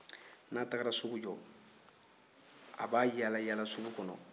n'a' taara sugu jɔ a' b'a yaala-yaala sugu kɔnɔ